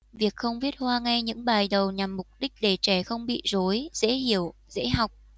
việc không viết hoa ngay những bài đầu nhằm mục đích để trẻ không bị rối dễ hiểu dễ học